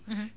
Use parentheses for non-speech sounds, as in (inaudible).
(hesitation) (hesitation)